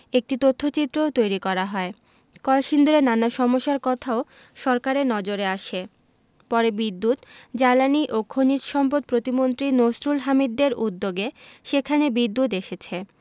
একটি তথ্যচিত্রও তৈরি করা হয় কলসিন্দুরের নানা সমস্যার কথাও সরকারের নজরে আসে পরে বিদ্যুৎ জ্বালানি ও খনিজ সম্পদ প্রতিমন্ত্রী নসরুল হামিদদের উদ্যোগে সেখানে বিদ্যুৎ এসেছে